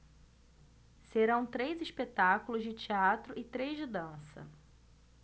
serão três espetáculos de teatro e três de dança